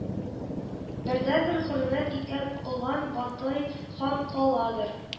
Бердәнбер хөрмәт иткән олан батый хан каладыр